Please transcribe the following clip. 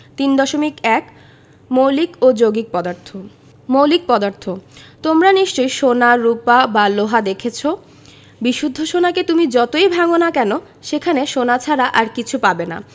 3.1 মৌলিক ও যৌগিক পদার্থঃ মৌলিক পদার্থ তোমরা নিশ্চয় সোনা রুপা বা লোহা দেখেছ বিশুদ্ধ সোনাকে তুমি যতই ভাঙ না কেন সেখানে সোনা ছাড়া আর কিছু পাবে না